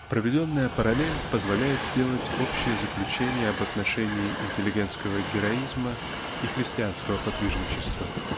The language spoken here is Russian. Проведенная параллель позволяет сделать общее заключение об отношении интеллигентского героизма и христианского подвижничества.